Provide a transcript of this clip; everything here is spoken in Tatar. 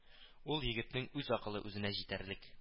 Ул егетнең үз акылы үзенә җитәрлек